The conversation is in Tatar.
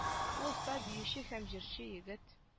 Ул оста биюче һәм җырчы егет